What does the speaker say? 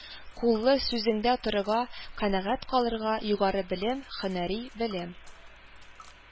Куллы, сүзеңдə торырга, канəгать калырга, югары белем, һөнəри белем,